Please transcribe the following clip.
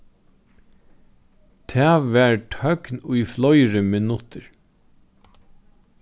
tað var tøgn í fleiri minuttir